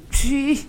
Ayi